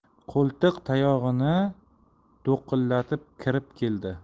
qo'ltiqtayog'ini do'qillatib kirib keldi